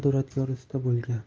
duradgor usta bo'lgan